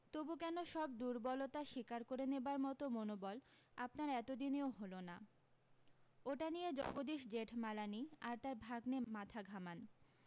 তবু কেন সব দুর্বলতা স্বীকার করে নেবার মতো মনোবল আপনার এতদিনেও হলো না ওটা নিয়ে জগদীশ জেঠমালানি আর তার ভাগ্নে মাথা ঘামান